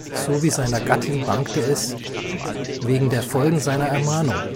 so wie seiner Gattin bangte es, wegen der Folgen seiner Ermahnung